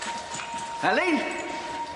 Elin!